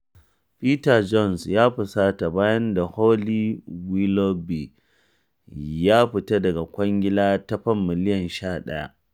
Peter Jones 'ya fusata' bayan Holly Willoughby ya fita daga kwangila ta Fam miliyan 11